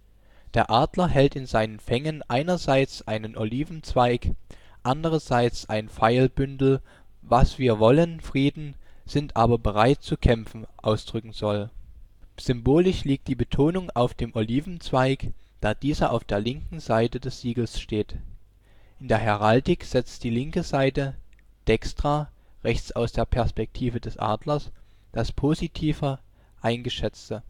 Adler hält in seinen Fängen einerseits einen Olivenzweig, andererseits ein Pfeilbündel, was wir wollen Frieden, sind aber bereit zu kämpfen ausdrücken soll. Symbolisch liegt die Betonung auf dem Olivenzweig, da dieser auf der linken Seite des Siegels steht: In der Heraldik setzt die linke Seite (dextra - rechts aus der Perspektive des Adlers) das positiver Eingeschätzte